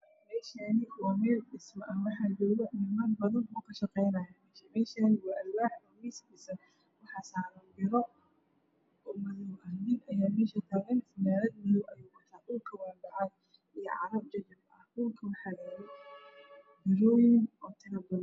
Meeshaan waa meel dhismo ah waxaa joogo niman badan oo kashaqeynaayo. Meeshaan waa alwaax miis korkasaaran biro oo madow nin ayaa meesha taagan fanaanad madow ayuu wataa dhulka waa bacaad iyo carro jajab ah. Dhulka waxaa yaalo birooyin oo tiro badan.